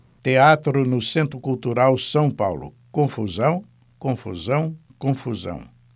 teatro no centro cultural são paulo confusão confusão confusão